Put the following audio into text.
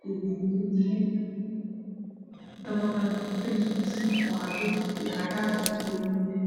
gaduudan tahy dabaqana waa cagar iyo cadees wuu ka koban yahay